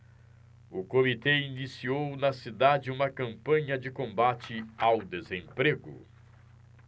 o comitê iniciou na cidade uma campanha de combate ao desemprego